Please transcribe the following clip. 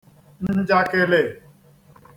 ǹjàkị̀lị̀